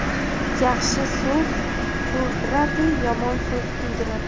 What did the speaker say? yaxshi so'z bo'ldiradi yomon so'z kuydiradi